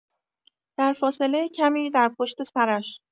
در فاصله کمی در پشت سرش